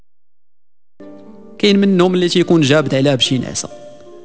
كلم النوم اللي يكون جابتها لابسين ازرق